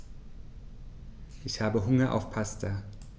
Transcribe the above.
Ich habe Hunger auf Pasta.